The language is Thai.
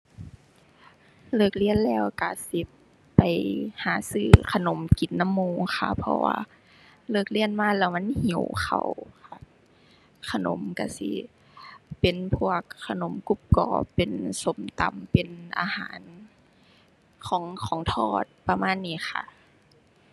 เลิกเรียนก็สิไปหาซื้อขนมกินนำหมู่ค่ะ เพราะว่าเลิกเรียนมาแล้วมันหิวข้าวค่ะ ขนมก็สิเป็นพวกขนมกรุบกรอบ เป็นส้มตำ เป็นอาหารของ ของทอดประมาณนี้ค่ะ